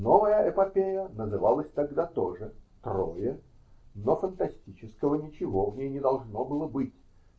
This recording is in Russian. Новая эпопея называлась тогда тоже "Трое", но фантастического ничего в ней не должно было быть